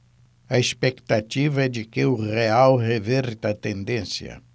a expectativa é de que o real reverta a tendência